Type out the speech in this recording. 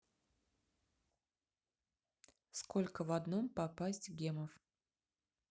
сколько в одном попасть гемов